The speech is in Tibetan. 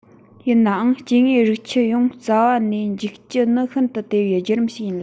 ཡིན ནའང སྐྱེ དངོས རིགས ཁྱུ ཡོངས རྩ བ ནས འཇིག རྒྱུ ནི ཤིན ཏུ དལ བའི བརྒྱུད རིམ ཞིག ཡིན ལ